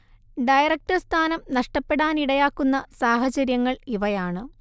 director സ്ഥാനം നഷ്ടപ്പെടാനിടയാക്കുന്ന സാഹചര്യങ്ങൾ ഇവയാണ്